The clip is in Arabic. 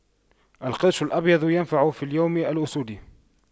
القرش الأبيض ينفع في اليوم الأسود